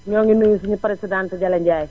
ñoo ngi nuyu suñu présidente Jalle Ndiaye